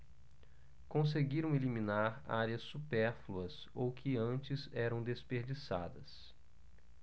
conseguiram eliminar áreas supérfluas ou que antes eram desperdiçadas